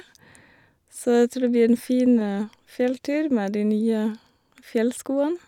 Så jeg tror det blir en fin fjelltur med de nye fjellskoene.